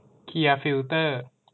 เคลียร์ฟิลเตอร์